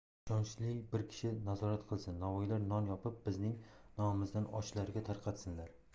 ishonchli bir kishi nazorat qilsin novvoylar non yopib bizning nomimizdan ochlarga tarqatsinlar